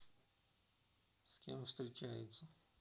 с кем встречается